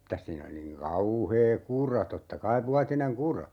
mitäs siinä oli niin kauhea kura totta kai vuotinen kura